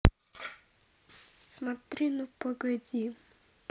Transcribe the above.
смотри ну погоди